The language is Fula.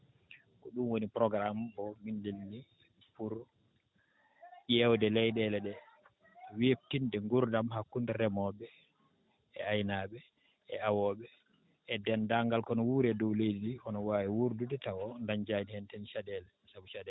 ko ɗum woni programme o min ndenndini pour ƴeewde leyɗeele ɗee weɓtinde nguunrdam hakkunde remooɓe e aynaaɓe e awooɓe e denndaangal ko no wuuri e dow leydi ndi hono waawi wuurdude taw dañjaani tan caɗeele